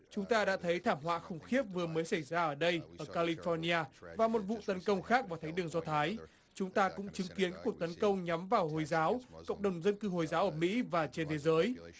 chúng ta đã thấy thảm họa khủng khiếp vừa mới xảy ra ở đây ở ca li phóc ni a vào một vụ tấn công khác vào thấy đường do thái chúng ta cũng chứng kiến cuộc tấn công nhắm vào hồi giáo cộng đồng dân cư hồi giáo ở mỹ và trên thế giới